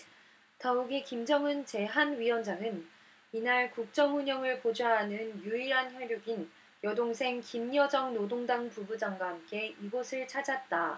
더욱이 김정은 제 한 위원장은 이날 국정운영을 보좌하는 유일한 혈육인 여동생 김여정 노동당 부부장과 함께 이곳을 찾았다